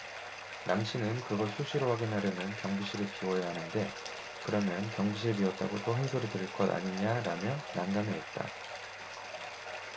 남씨는 그걸 수시로 확인하려면 경비실을 비워야 하는데 그러면 경비실 비웠다고 또 한 소리 들을 것 아니냐라며 난감해했다